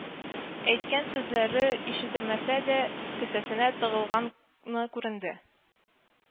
Әйткән сүзләре ишетелмәсә дә кесәсенә тыгылганы күренде